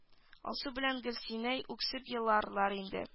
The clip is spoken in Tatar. Алсу белән гөлинә үксеп еларлар инде